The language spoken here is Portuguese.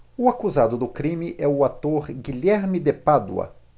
o acusado do crime é o ator guilherme de pádua